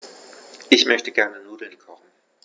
Ich möchte gerne Nudeln kochen.